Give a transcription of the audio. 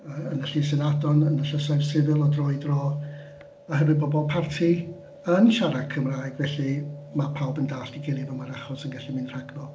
Yy yn y Llys Ynadon yn y llysoedd sifil o dro i dro oherwydd bod bob parti yn siarad Cymraeg, felly ma' pawb yn dallt ei gilydd a ma'r achos yn gallu mynd rhagddo.